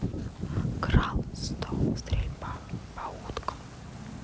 крал сто стрельба по уткам